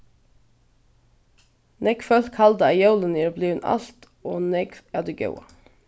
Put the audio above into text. nógv fólk halda at jólini eru blivin alt ov nógv av tí góða